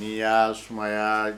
N' y'a sumaya